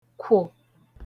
-kwo